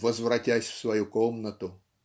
Возвратясь в свою комнату